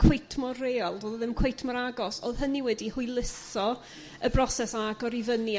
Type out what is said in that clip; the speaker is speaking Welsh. cweit mor real do'dd o ddim cweit mor agos o'dd hynny wedi hwyluso y broses o agor i fyny